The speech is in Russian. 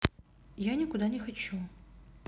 я никуда не хочу